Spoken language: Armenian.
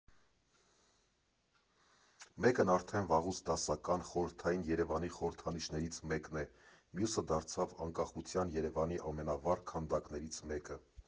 Մեկն արդեն վաղուց դասական, խորհրդային Երևանի խորհրդանիշներից մեկն է, մյուսը դարձավ անկախության Երևանի ամենավառ քանդակներից մեկը։